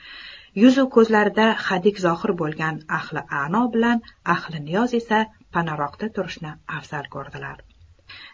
yuzu ko'zlarida hadik zohir bo'lgan ahli ano bilan ahli niyoz esa panaroqda turishni afzal ko'rdilar